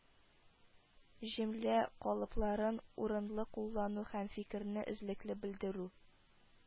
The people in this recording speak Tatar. Җөмлə калыпларын урынлы куллану һəм фикерне эзлекле белдерү